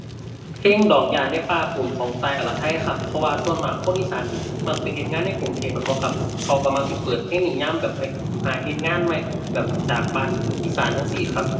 เพลงดอกหญ้าในป่าปูนของ ต่าย อรทัย ครับ เพราะว่าส่วนมากคนอีสานนี่มักไปเฮ็ดงานในกรุงเทพแม่นบ่ครับ เขาก็มักสิเปิดเพลงนี้ยามแบบไปหาเฮ็ดงานใหม่ แบบจากบ้านอีสานจั่งซี้ครับ